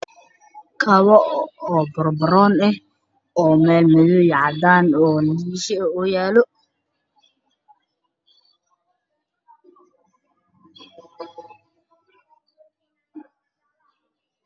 Waa kabo baroon ah oo meel madow iyo cadaan ah yaalo.